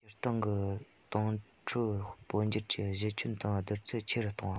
སྤྱིར བཏང གི གཏོང སྤྲོད སྤོ སྒྱུར གྱི གཞི ཁྱོན དང བསྡུར ཚད ཆེ རུ བཏང བ